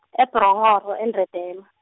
eBronghoro eNdedema.